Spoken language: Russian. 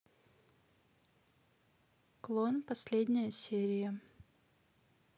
клон последняя серия